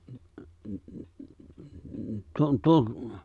-----